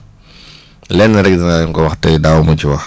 lenn rek danaa leen ko wax tey daawu ma ci wax